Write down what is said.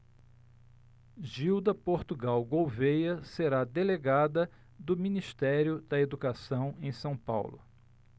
gilda portugal gouvêa será delegada do ministério da educação em são paulo